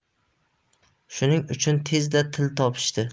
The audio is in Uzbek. shuning uchun tezda til topishishdi